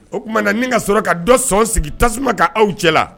O kuma na ni ka sɔrɔ ka dɔ sɔn sigi tasuma ka aw cɛla